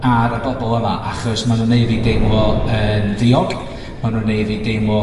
ar y bobol yma, achos ma' nw'n neu' fi deimlo yn ddiog. Ma' nw'n neu fi deimlo